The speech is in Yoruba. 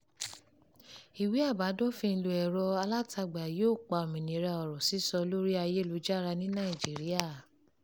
Ìwé àbádòfin ìlò ẹ̀rọ alátagbà yóò pa òmìnira ọ̀rọ̀ sísọ lórí ayélujára ní Nàìjíríà